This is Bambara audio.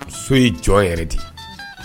So ye jɔ yɛrɛ de ye